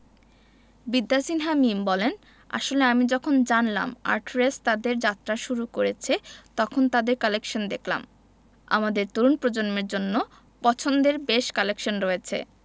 বিদ্যা সিনহা মিম বলেন আসলে আমি যখন জানলাম আর্টরেস তাদের যাত্রা শুরু করেছে তখন তাদের কালেকশান দেখলাম আমাদের তরুণ প্রজন্মের জন্য পছন্দের বেশ কালেকশন রয়েছে